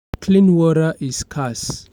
Clean water is scarce.